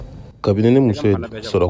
kabi ne ye ne muso sɔrɔ kɔni yan